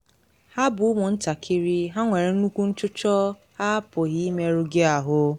Ha bụ ụmụ ntakịrị, ha nwere nnukwu nchụchọ ... ha apụghị ịmerụ gị ahụ.